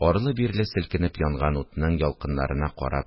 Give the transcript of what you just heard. Арлы-бирле селкенеп янган утның ялкыннарына карап